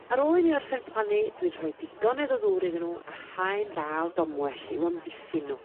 Ar ôl i mi orffen plannu dwi'n rhoi digonedd o ddŵr iddyn n'w a haen dda o domwell i'w amddiffyn n'w.